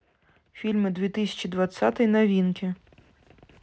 фильмы две тысячи двадцатый новинки